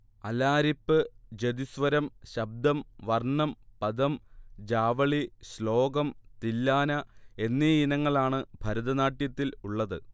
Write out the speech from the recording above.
അലാരിപ്പ്, ജതിസ്വരം, ശബ്ദം, വർണം, പദം, ജാവളി, ശ്ലോകം, തില്ലാന എന്നീ ഇനങ്ങളാണ് ഭരതനാട്യത്തിൽ ഉള്ളത്